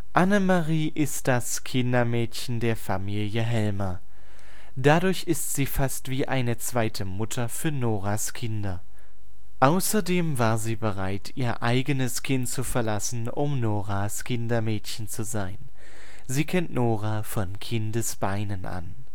Anne-Marie ist das Kindermädchen der Familie Helmer. Dadurch ist sie fast wie eine zweite Mutter für Noras Kinder. Außerdem war sie bereit ihr eigenes Kind zu verlassen, um Noras Kindermädchen zu sein. Sie kennt Nora von Kindesbeinen an